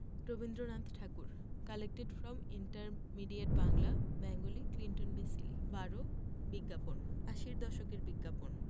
Rabindranath Thakur Collected from Intermediate Bangla Bengali Clinton B Seely ১২ বিজ্ঞাপন আশির দশকের বিজ্ঞাপন